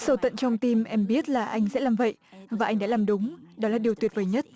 sâu tận trong tim em biết là anh sẽ làm vậy và anh đã làm đúng đó là điều tuyệt vời nhất